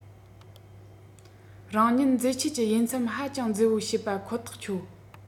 རང ཉིད མཛེས འཆོས གྱི དབྱེ མཚམས ཧ ཅང མཛེས པོ བྱེད པ ཁོ ཐག ཆོད